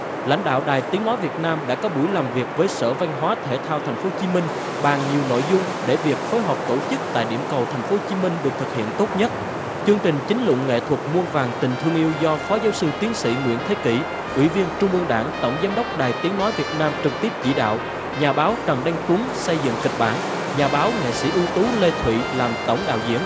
lãnh đạo đài tiếng nói việt nam đã có buổi làm việc với sở văn hóa thể thao thành phố chí minh bàn nhiều nội dung để việc phối hợp tổ chức tại điểm cầu thành phố chí minh được thực hiện tốt nhất chương trình chính luận nghệ thuật muôn vàn tình thương yêu do phó giáo sư tiến sĩ nguyễn thế kỷ ủy viên trung ương đảng tổng giám đốc đài tiếng nói việt nam trực tiếp chỉ đạo nhà báo trần đăng tuấn xây dựng kịch bản nhà báo nghệ sĩ ưu tú lê thụy làm tổng đạo diễn